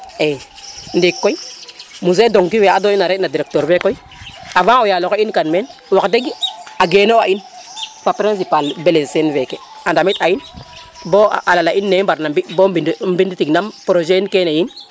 i ndikoy Monsieur Ngong fe ad wan ina re ina Directeur fe koy avant o yalo xe in kan meen wax deg a genu a in fa principal Blaise Sene feke a ndamit a in bo a lala in ne i mbar na mbi bo bin tiga nam projet yin kene yin